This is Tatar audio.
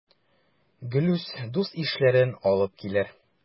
Гелүс дус-ишләрен алып килер.